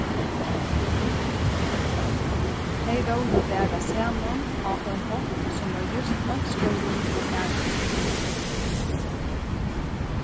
tey vóru bara saman á ein hátt sum var júst eins góður og aðrir mátar